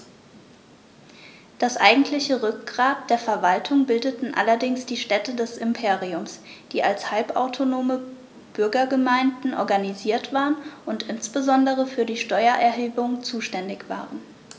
Das eigentliche Rückgrat der Verwaltung bildeten allerdings die Städte des Imperiums, die als halbautonome Bürgergemeinden organisiert waren und insbesondere für die Steuererhebung zuständig waren.